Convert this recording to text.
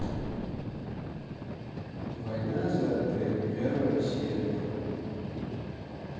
война за отель первая серия